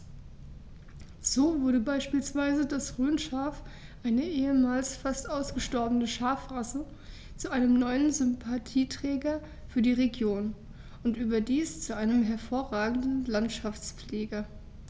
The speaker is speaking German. So wurde beispielsweise das Rhönschaf, eine ehemals fast ausgestorbene Schafrasse, zu einem neuen Sympathieträger für die Region – und überdies zu einem hervorragenden Landschaftspfleger.